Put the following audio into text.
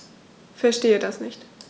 Verstehe das nicht.